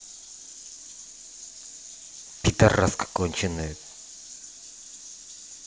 пидараска конченная